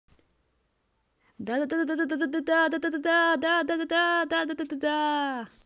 да да да да да да да да да да да да да да да